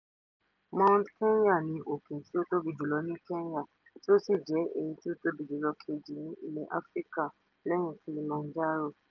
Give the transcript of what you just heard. Mount Kenya ni òkè tí ó tóbi jùlọ ní Kenya tí ó sì jẹ́ èyí tí ó tóbi jùlọ kejì ní ilẹ̀ Áfíríkà, lẹ́yìn Kilimanjaro.